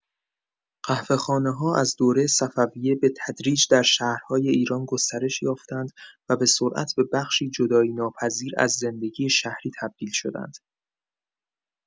قهوه‌خانه‌ها از دوره صفویه به‌تدریج در شهرهای ایران گسترش یافتند و به‌سرعت به بخشی جدایی‌ناپذیر از زندگی شهری تبدیل شدند.